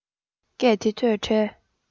སྐད དེ ཐོས འཕྲལ